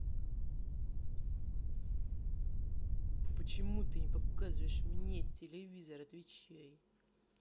почему ты не показываешь мне телевизор отвечай